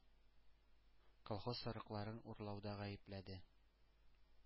Колхоз сарыкларын урлауда гаепләде.